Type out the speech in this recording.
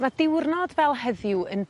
Ma' diwrnod fel heddiw yn